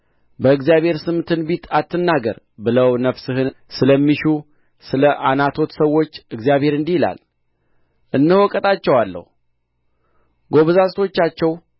በእግዚአብሔር ስም ትንቢት አትናገር ብለው ነፍስህን ስለሚሹ ስለ ዓናቶት ሰዎች እግዚአብሔር እንዲህ ይላል እነሆ እቀጣቸዋለሁ ጎበዛዝቶቻቸው